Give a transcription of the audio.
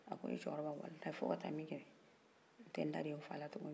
a ko eh cɛkɔrɔba walahi fo ka taa min kɛ n tɛ n daden n fa la tugunni